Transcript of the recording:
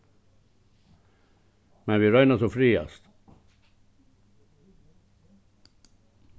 men vit royna sum frægast